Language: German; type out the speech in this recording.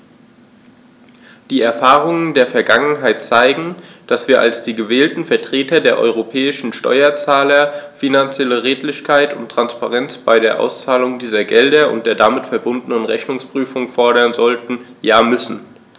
Die Erfahrungen der Vergangenheit zeigen, dass wir als die gewählten Vertreter der europäischen Steuerzahler finanzielle Redlichkeit und Transparenz bei der Auszahlung dieser Gelder und der damit verbundenen Rechnungsprüfung fordern sollten, ja müssen.